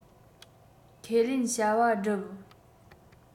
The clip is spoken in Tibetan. ཁས ལེན བྱ བ བསྒྲུབ